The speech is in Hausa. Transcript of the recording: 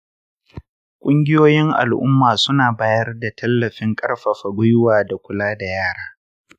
ƙungiyoyin al’umma suna bayar da tallafin ƙarfafa gwiwa da kula da yara.